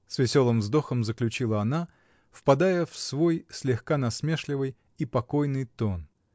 — с веселым вздохом заключила она, впадая в свой слегка насмешливый и покойный тон.